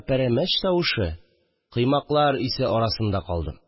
Пәрәмәч тавышы, коймаклар исе арасында калдым